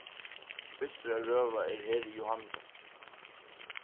fyrstur at røða er heri johannesen